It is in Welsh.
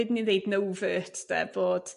be dyn ni'n ddeud yn overt 'de bod